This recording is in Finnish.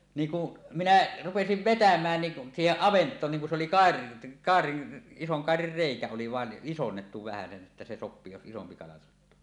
niin kun minä rupesin vetämään niin siihen avantoon niin kun se oli - kairan ison kairan reikä oli vain isonnettu vähäsen että se sopii jos isompi kala sattuu